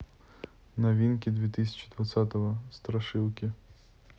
новинки две тысячи двадцатого страшилки